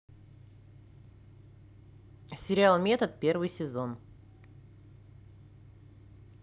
сериал метод первый сезон